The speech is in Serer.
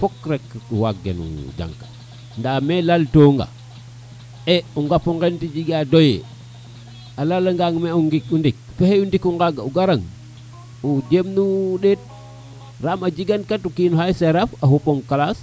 fok rek o waag ke o jang ta nda me lal tonga e o ŋapo nge ten jega doye a lala ngan teno ndik o ndiko ngaga o gara nga o jem no ndeet ram a jega kadu ke in xaye sera a xupong classe